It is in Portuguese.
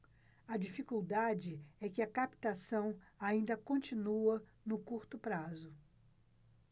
a dificuldade é que a captação ainda continua no curto prazo